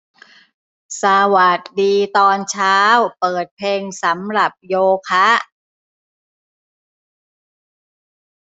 สวัสดีตอนเช้าเปิดเพลงสำหรับโยคะ